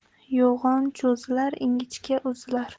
yo'g'on cho'zilar ingichka uzilar